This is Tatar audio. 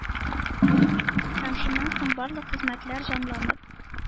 Һәм шуннан соң барлык хезмәтләр җанланып,